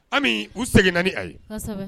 Ami u seginna ni a ye